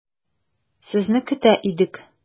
Сезне көтә идек.